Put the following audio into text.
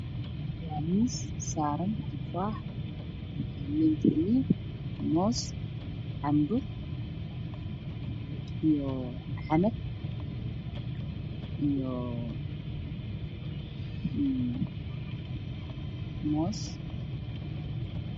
Waxa ay muuqda miis ay saary yihiin khudaar fudud ah waxaa ka mid ah tufaa liin moos babay iyo kuwo kale